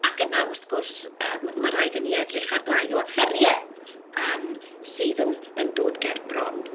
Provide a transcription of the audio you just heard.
ac yna wrth gwrs yym ma' raid i ni edrych ar rai o'r heriau yym sydd yn yn dod ger bron.